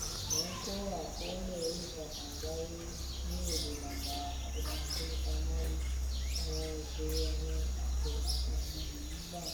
Mò ń kọ àkọọ́lẹ̀ oríìtakùn àgbáyé ní èdè Bambara àti Faransé nípa Mali, àwọn ìṣòro àwọn àgbẹ̀, àti àwọn èròńgbà mi.